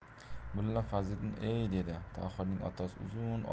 mulla fazliddin ey dedi tohirning